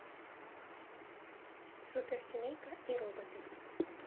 суперсемейка и роботы